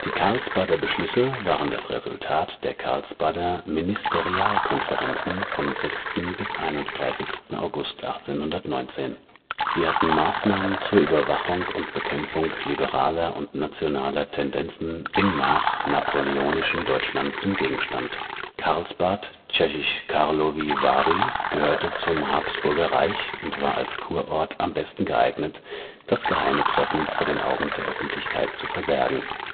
Karlsbader Beschlüsse waren das Resultat der Karlsbader Ministerialkonferenzen vom 6. bis 31. August 1819. Sie hatten Maßnahmen zur Überwachung und Bekämpfung liberaler und nationaler Tendenzen im nach-napoleonischen Deutschland zum Gegenstand. Karlsbad (tschechisch: Karlovy Vary) gehörte zum Habsburgerreich und war als Kurort am besten geeignet, das geheime Treffen vor den Augen der Öffentlichkeit zu verbergen